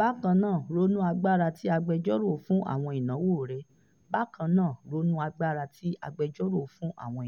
Bákan náà, ronú agbára tí agbẹjọ́rò fún àwọn